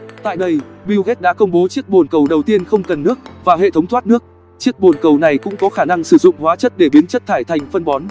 tại đây bill gates đã công bố chiếc bồn cầu đầu tiên không cần nước và hệ thống thoát nước chiếc bồn cầu này cũng có khả năng sử dụng hoá chất để biến chất thải thành phân bón